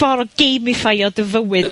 ffor o gêmiffeio dy fywyd...